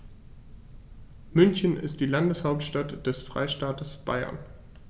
München ist die Landeshauptstadt des Freistaates Bayern.